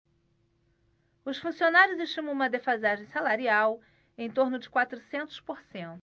os funcionários estimam uma defasagem salarial em torno de quatrocentos por cento